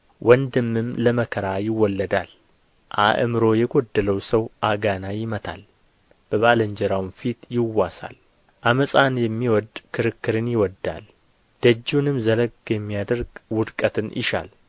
ወንድምም ለመከራ ይወለዳል አእምሮ የጐደለው ሰው አጋና ይመታል በባልንጀራውም ፊት ይዋሳል ዓመፃን የሚወድድ ክርክርን ይወድዳል ደጁንም ዘለግ የሚያደርግ ውድቀትን ይሻል